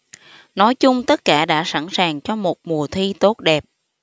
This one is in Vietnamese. nói chung tất cả đã sẵn sàng cho một mùa thi tốt đẹp